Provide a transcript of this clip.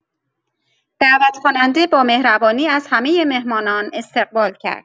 دعوت‌کننده با مهربانی از همه مهمانان استقبال کرد.